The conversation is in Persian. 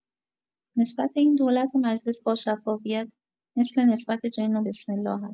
نسبت این دولت و مجلس با شفافیت مثل، نسبت جن و بسم‌الله است.